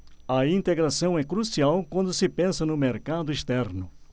a integração é crucial quando se pensa no mercado externo